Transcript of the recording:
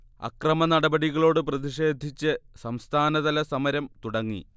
അക്രമനടപടികളോട് പ്രതിക്ഷേധിച്ച് സംസ്ഥാനതല സമരം തുടങ്ങി